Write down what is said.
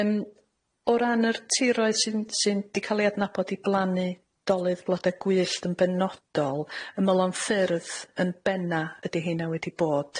Yym o ran yr tiroedd sydd yn- sydd 'di ca'l eu adnabod i blannu dolydd blode gwyllt yn benodol, ymylon ffyrdd yn benna ydi hei'ne wedi bod.